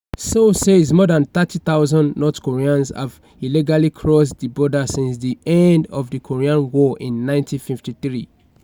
Seoul says more than 30,000 North Koreans have illegally crossed the border since the end of the Korean War in 1953.